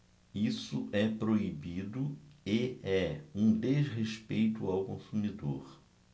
isso é proibido e é um desrespeito ao consumidor